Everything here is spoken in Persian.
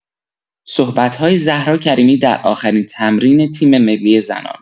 صحبت‌های زهرا کریمی در آخرین تمرین تیم‌ملی زنان